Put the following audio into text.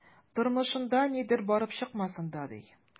Тормышында нидер барып чыкмасын да, ди...